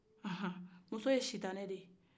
ahan muso ye sitanɛ de ye